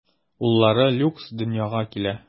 Уллары Люкс дөньяга килә.